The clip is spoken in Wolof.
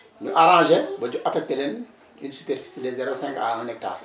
ñu arrangé ba jo affecté leen une superficie de O 5 à 1 hectare